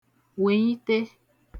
wenyite